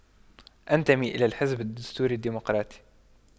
أنتمي إلى الحزب الدستوري الديمقراطي